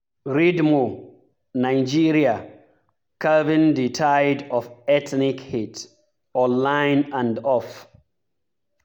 Read more: Nigeria: Curbing the tide of ethnic hate — online and off